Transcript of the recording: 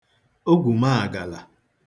ogwùmaàgàlà